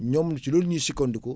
ñoom ci loolu ñuy sukkandiku